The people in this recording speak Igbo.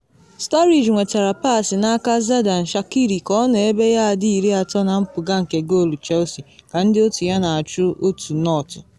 Sturridge nwetara pass n’aka Xherdan Shaqiri ka ọ nọ ebe yaadị 30 na mpụga nke goolu Chelsea ka ndị otu ya na achụ 1-0.